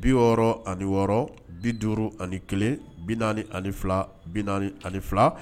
bi wɔɔrɔ ani wɔɔrɔ bi duuru ani kelen bi naani ani fila bi naani ani fila